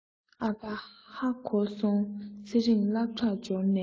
ཨ ཕ ལ ཧ གོ སོང ཚེ རིང སློབ གྲྭར འབྱོར ནས